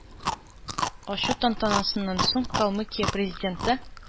Ачу тантанасыннан соң, калмыкия президенты,